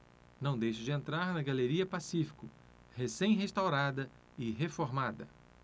não deixe de entrar na galeria pacífico recém restaurada e reformada